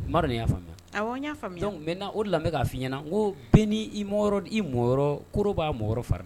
Nin y'a faamuya faamuya bɛ na o de la bɛ k'a fɔi ɲɛnaɲɛna ɲɛna ko bɛn ni i m i mɔgɔ koro b'a mɔgɔ fara